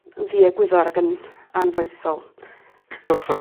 yn ddi egwyddor ag yn anfoesol. Gorffan...